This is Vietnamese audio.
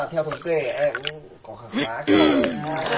theo thống kê em cũng có kha khá câu đấy